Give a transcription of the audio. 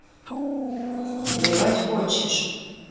плевать хочешь